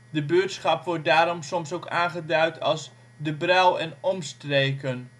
De buurtschap wordt daarom soms ook aangeduid als De Bruil en Omstreken